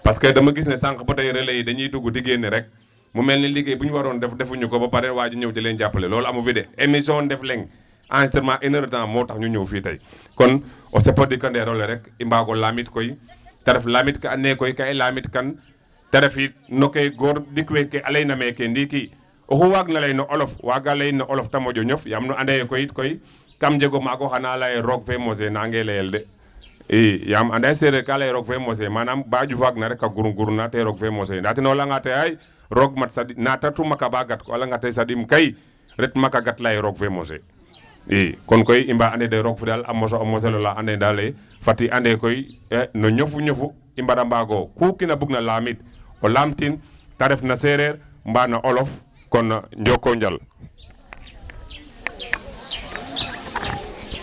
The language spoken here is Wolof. parce que da ma gis ne sànq ba tey relais yi dañuy dugg di génn rek mu mel ne liggéey bu ñu waroon def defuñu ko ba pare waa ji ñëw di leen jàppale loola amu fi de émission Ndefleng enregistrement une heure de temps moo tax ñu ñëw fii tey kon